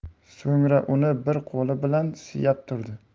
so'ngra uni bir qo'li bilan suyab turdi